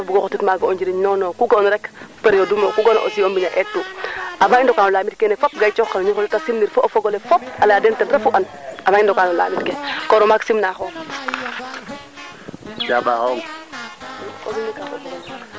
ten sombina xam meeke a lamta xam ka farna no ndiing roka ndole rokanole no ndiing ne ke an ma teen ten ref ke xaƴa neema rek